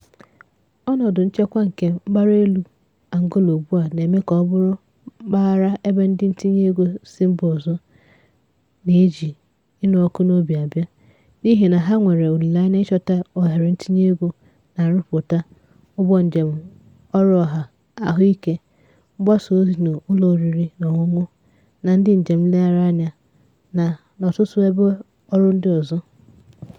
Ọnọdụ nchekwa nke mbaraelu Angola ugbua na-eme ka ọ bụrụ mpaghara ebe ndị ntinyeego si mba ọzọ na-eji ịnụ ọkụ n'obi abịa, n'ihi na ha nwere olileanya ịchọta ohere ntinyeego na nrụpụta, ụgbọnjem, ọrụ ọha, ahụike, mgbasaozi, n'ụlọoriri na ọṅụṅụ na ndị njem nlereanya na n'ọtụtụ ebe ọrụ ndị ọzọ.”